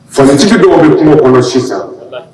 Falajɛtigi dɔw bɛ kungo kɔnɔ sisan